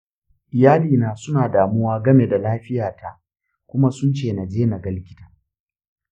iyalina suna damuwa game da lafiyata kuma sun ce na je naga likita.